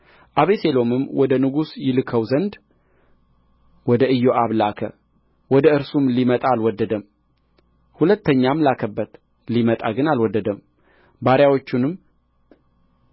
አቤሴሎምም ወደ ንጉሡ ይልከው ዘንድ ወደ ኢዮአብ ላከ ወደ እርሱም ሊመጣ አልወደደም ሁለተኛም ላከበት ሊመጣ ግን አልወደደም ባሪያዎቹንም